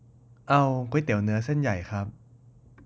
เอาก๋วยเตี๋ยวเนื้อเส้นใหญ่ครับ